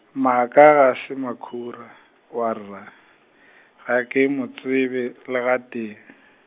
maaka ga se makhura warra, ga ke mo tsebe le gatee .